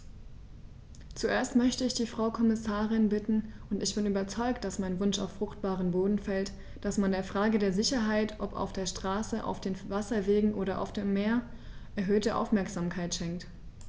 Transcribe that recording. Zuerst möchte ich die Frau Kommissarin bitten - und ich bin überzeugt, dass mein Wunsch auf fruchtbaren Boden fällt -, dass man der Frage der Sicherheit, ob auf der Straße, auf den Wasserwegen oder auf dem Meer, erhöhte Aufmerksamkeit schenkt.